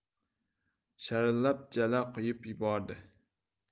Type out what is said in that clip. sharillab jala quyib yubordi